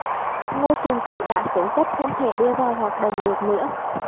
ngôi trường cũ đã xuống cấp không thể đưa vào hoạt động được nữa